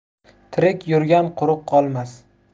tirik yurgan quruq qolmas